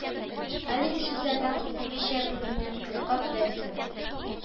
Әлеге сүзләрдән укымыйча белүнең укып бе